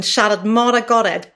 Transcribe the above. yn siarad mor agored